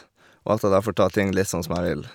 Og at jeg da får tar ting litt sånn som jeg vil.